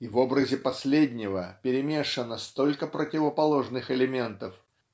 И в образе последнего перемешано столько противоположных элементов